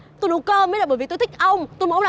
tôi nấu cơm là bởi vì tôi thích ông tôi muốn